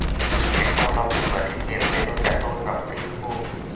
chẳng bao lâu căn bệnh hiểm nghèo sẽ lôi cả tôi vào cõi hư vô